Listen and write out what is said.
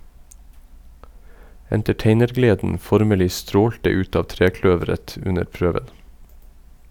Entertainergleden formelig strålte ut av trekløveret under prøven.